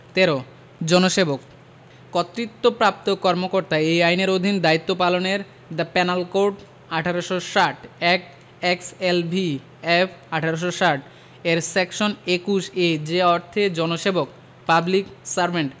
১৩ জনসেবকঃ কর্তৃত্বপ্রাপ্ত কর্মকর্তা এই আইনের অধীন দায়িত্ব পালনকালে the penal code ১৮৬০ act XLV of ১৮৬০ এর সেকশন ২১ এ যে অর্থে জনসেবক পাবলিক সার্ভেন্ট